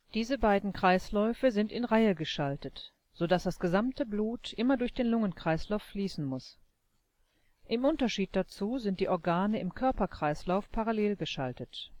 Diese beiden Kreisläufe sind in Reihe geschaltet, so dass das gesamte Blut immer durch den Lungenkreislauf fließen muss. Im Unterschied dazu sind die Organe im Körperkreislauf parallel geschaltet